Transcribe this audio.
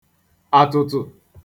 àtụ̀tụ̀